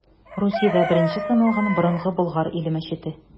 Русиядә беренче саналган Борынгы Болгар иле мәчете.